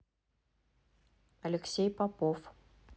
алексей попов